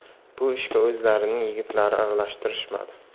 bu ishga o'zlarining yigitlarini aralashtirishmadi